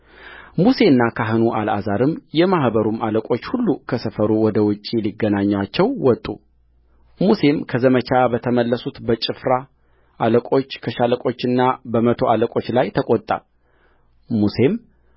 ሙሴና ካህኑ አልዓዛርም የማኅበሩም አለቆች ሁሉ ከሰፈሩ ወደ ውጭ ሊገናኙአቸው ወጡሙሴም ከዘመቻ በተመለሱት በጭፍራ አለቆች በሻለቆችና በመቶ አለቆች ላይ ተቈጣሙሴም